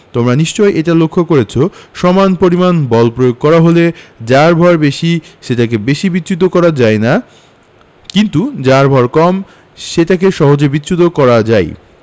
তোমরা নিশ্চয়ই এটা লক্ষ করেছ সমান পরিমাণ বল প্রয়োগ করা হলে যার ভর বেশি সেটাকে বেশি বিচ্যুত করা যায় না কিন্তু যার ভয় কম সেটাকে সহজে বিচ্যুত করা যায়